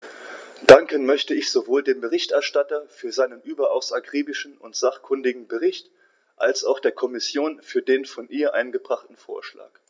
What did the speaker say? Danken möchte ich sowohl dem Berichterstatter für seinen überaus akribischen und sachkundigen Bericht als auch der Kommission für den von ihr eingebrachten Vorschlag.